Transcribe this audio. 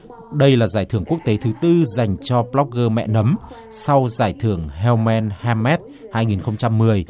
đây là giải thưởng quốc tế thứ tư dành cho bờ lóc gơ mẹ nấm sau giải thưởng heo men hem mét hai nghìn không trăm mười